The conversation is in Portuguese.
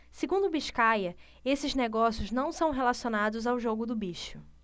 segundo biscaia esses negócios não são relacionados ao jogo do bicho